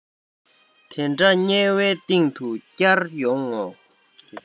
དེ འདྲ དམྱལ བའི གཏིང དུ བསྐྱུར ཡོང ངོ